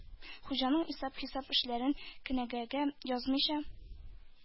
Хуҗаның исәп-хисап эшләрен кенәгәгә язмыйча,